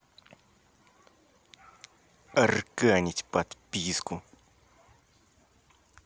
арканить подписку